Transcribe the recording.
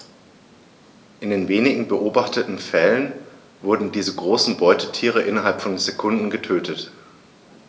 In den wenigen beobachteten Fällen wurden diese großen Beutetiere innerhalb von Sekunden getötet.